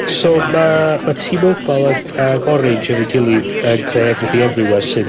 So ma' ma' tee mobile ag ag orabge efo'i gilydd yn creu everything everywhere sydd